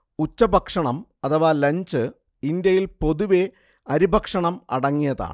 ഉച്ചഭക്ഷണം അഥവ ലഞ്ച് ഇന്ത്യയിൽ പൊതുവെ അരിഭക്ഷണം അടങ്ങിയതാണ്